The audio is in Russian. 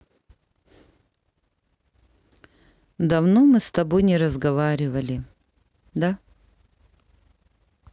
давно мы с тобой не разговаривали да